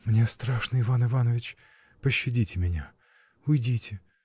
— Мне страшно, Иван Иванович, пощадите меня! уйдите!